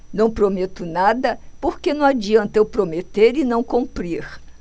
não prometo nada porque não adianta eu prometer e não cumprir